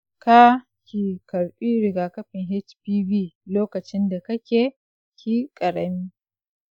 ka/ki karɓi rigakafin hpv lokacin da kake/ki ƙarami?